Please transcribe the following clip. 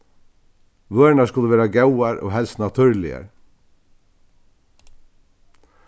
vørurnar skulu vera góðar og helst natúrligar